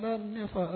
Na ne fa